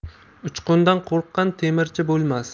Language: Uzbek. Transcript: uchqundan qo'rqqan temirchi bo'lmas